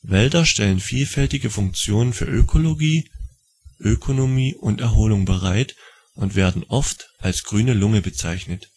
Wälder stellen vielfältige Funktionen für Ökologie, Ökonomie und Erholung bereit und werden oft als grüne Lunge bezeichnet